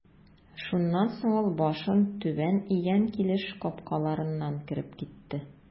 Шуннан соң ул башын түбән игән килеш капкаларыннан кереп китте.